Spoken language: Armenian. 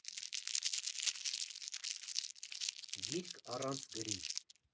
Գիրք՝ առանց գրի։